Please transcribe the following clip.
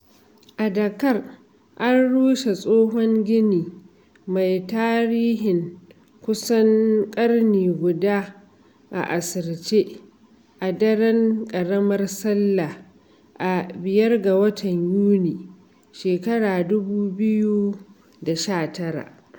A Dhaka, an rushe tsohon gini mai tarihin kusan ƙarni guda a asirce a daren ƙaramar salla a 5 ga Yuni, 2019.